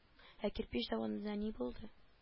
Ә кирпеч заводында ни булды